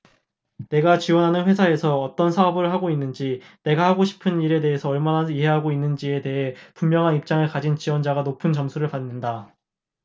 내가 지원하는 회사에서 어떤 사업을 하고 있는지 내가 하고 싶은 일에 대하여 얼마나 이해하고 있는지에 대해 분명한 입장을 가진 지원자가 높은 점수를 받는다